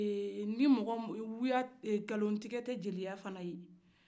kalon tɛgɛ tɛ jeliya fɛnɛ ye